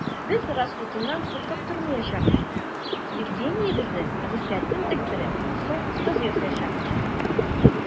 Без расхутыннан куркып тормаячакбыз: Евгениябезнең гыйффәтен тектереп, саф кыз ясаячакбыз.